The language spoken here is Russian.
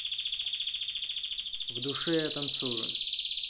в душе я танцую